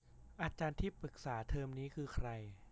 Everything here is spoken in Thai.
อาจารย์ที่ปรึกษาเทอมนี้คือใคร